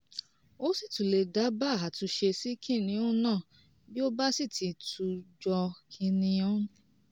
O sì tún lè dábàá àtúnṣe sí kìnìún náà – bí ó bá sì ti tún jọ kìnìún.